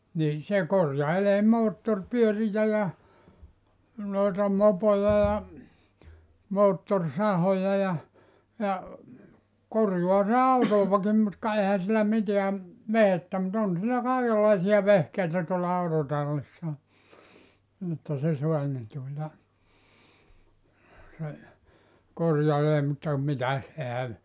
niin se korjailee moottoripyöriä ja noita mopoja ja moottorisahoja ja ja korjaa se autoakin mutta ka eihän sillä mitään vehjettä mutta on sillä kaikenlaisia vehkeitä tuolla autotallissa että se saa ne tuota se korjailee mutta mitäs eihän